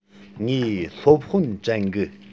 ངས སློབ དཔོན དྲན གི